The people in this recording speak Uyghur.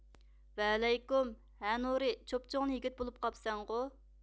ۋەئەلەيكۇم ھە نۇرى چوپچوڭلا يىگىت بولۇپ قاپسەنغۇ